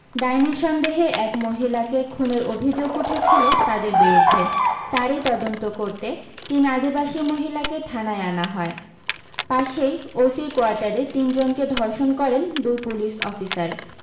ডাইনি সন্দেহে এক মহিলাকে খুনের অভি্যোগ উঠেছিল তাদের বিরুদ্ধে তারি তদন্ত করতে তিন আদিবাসী মহিলাকে থানায় আনা হয় পাশেই ওসির কোয়ার্টারে তিন জনকে ধর্ষন করেন দুই পুলিশ অফিসার